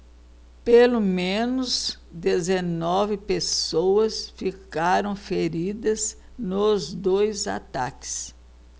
pelo menos dezenove pessoas ficaram feridas nos dois ataques